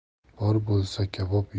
bor bo'lsa kabob